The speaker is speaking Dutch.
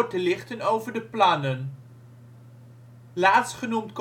te lichten over de plannen. Laatstgenoemd